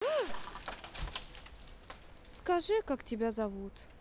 скажи как тебя зовут